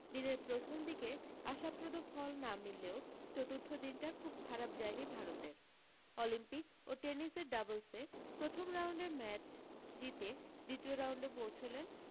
দিনের প্রথম দিকে আশাপ্রদ ফল না মিললেও চতুর্থ দিনটা খুব খারাপ যায়নি ভারতের অলিম্পিক টেনিসের ডাবলসে প্রথম রাউন্ডের ম্যাচ জিতে দ্বিতীয় রাউন্ডে পৌঁছোলেন